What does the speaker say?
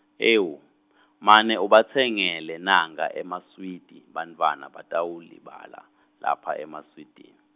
ewu , mane ubatsengele nankha emaswidi bantfwana batawulibala lapha emaswidini.